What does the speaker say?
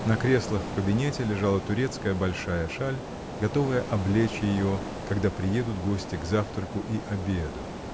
На креслах в кабинете лежала турецкая большая шаль, готовая облечь ее, когда приедут гости к завтраку и обеду.